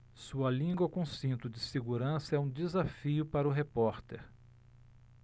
sua língua com cinto de segurança é um desafio para o repórter